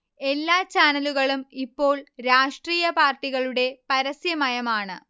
എല്ലാ ചാനലുകളും ഇപ്പോൾ രാഷ്ട്രീയ പാർട്ടികളുടെ പരസ്യ മയമാണ്